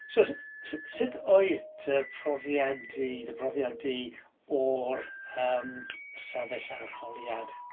So s- sut oedd dy profiad di... Dy profiad di o'r yym sefyll arholiad?